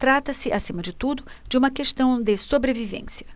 trata-se acima de tudo de uma questão de sobrevivência